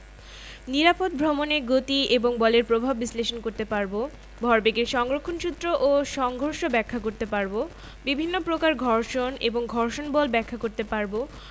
বল কীভাবে বস্তুর উপর কাজ করে সেটি নিয়ে আলোচনা করার সময় খুব স্বাভাবিকভাবেই বিভিন্ন ধরনের বল বস্তুর জড়তা বলের প্রকৃতি ঘর্ষণ বল এই বিষয়গুলোও আলোচনায় উঠে আসবে